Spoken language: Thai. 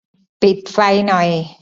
ปิดไฟหน่อย